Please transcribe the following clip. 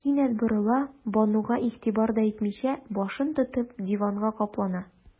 Кинәт борыла, Бануга игътибар да итмичә, башын тотып, диванга каплана.